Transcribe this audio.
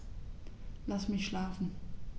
Lass mich schlafen